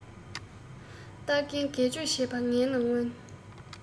རྟ རྒན སྒལ བཅོས བྱེད པ ངན ལ མངོན